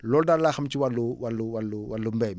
loolu daal laa xam ci wàllu wàllu wàllu wàllu mbéy mi